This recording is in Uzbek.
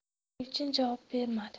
elchin javob bermadi